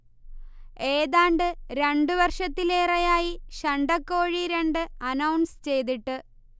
ഏതാണ്ട് രണ്ടു വർഷത്തിലേറെയായി ശണ്ഠക്കോഴി രണ്ട് അനൗൺസ് ചെയ്തിട്ട്